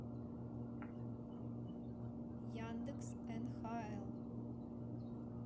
яндекс нхл